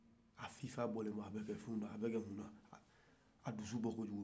a fifatɔ bɛ kana a dusu bɔ ko jugu